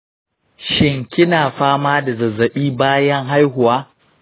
shin kina fama da zazzabi bayan haihuwa?